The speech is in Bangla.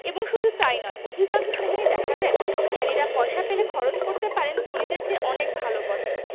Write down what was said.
এবং শুধু তাই নয় অধিকাংশ সময়েই দেখা যায় জ্ঞানীরা পয়সা পেলে খরচ করতে পারেন ধনীদের চেয়ে অনেক ভালো পথে